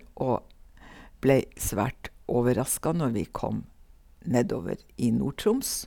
Og ble svært overraska når vi kom nedover i Nord-Troms.